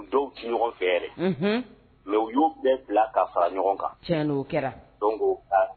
Dɔw ci ɲɔgɔn fɛ mɛ u y'u bɛɛ bila ka fara ɲɔgɔn kan tiɲɛ n'o kɛra don